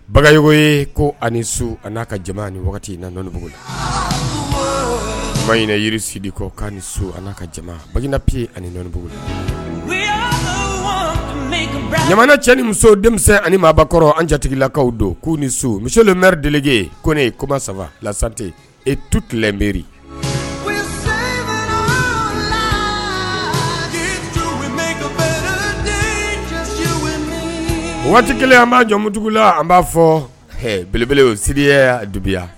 Bagany ye ko ani so ania ka jama ni nabugula kuma ɲin yiri sidi kɔ' ni so ani ka jama baginapi ani nɔɔnibugula ɲa cɛ ni muso denmisɛn ni maakɔrɔ an jatigilakaw don k'u ni so misimeridege ko ko saba late e tu tilenbri la waati kelen an b' jɔmutigiwla an b'a fɔ belebele siya juguyabiya